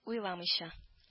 Уйламыйча